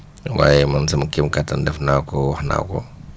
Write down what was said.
waaye man sama kéem kattan def naa ko wax naa ko